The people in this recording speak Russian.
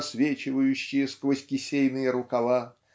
просвечивающие сквозь кисейные рукава